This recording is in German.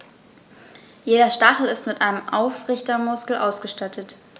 Jeder Stachel ist mit einem Aufrichtemuskel ausgestattet.